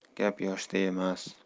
gap yoshda emas